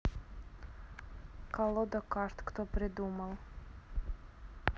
колода карт кто придумал